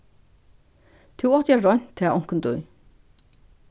tú átti at roynt tað onkuntíð